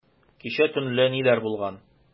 Кичә төнлә ниләр булган?